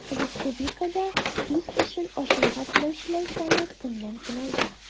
Республикада үз эшен ачарга теләүчеләр саны көннән-көн арта.